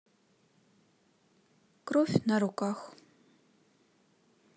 кровь на руках